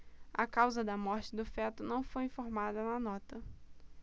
a causa da morte do feto não foi informada na nota